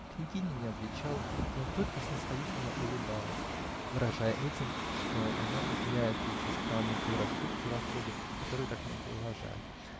Княгиня не отвечала, но только снисходительно улыбалась, выражая этим, что она извиняет эти странные предрассудки в особе, которую так много уважает.